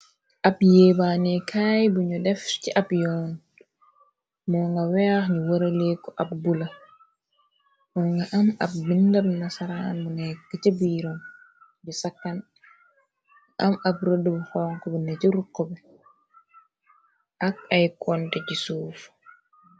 Ab yeebaane kaay buñu def ci ab yoon moo nga weex ñu wëraleeku ab bula moo nga am ab bindam nasaraan bu nekk ca biiram ju sakkan am ab rëdde bu xonko bi na ci rugube ak ay konte ci suuf.